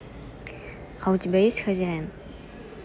а у тебя есть хозяин